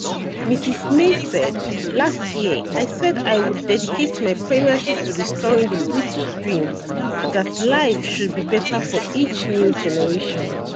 Mrs May said: "Last year I said I would dedicate my premiership to restoring the British dream - that life should be better for each new generation.